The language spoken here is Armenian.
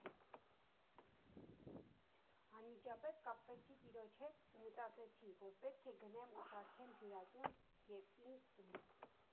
Անմիջապես կապվեցի տիրոջ հետ ու մտածեցի, որ պետք է գնեմ ու սարքեմ հյուրատուն և ինձ տուն։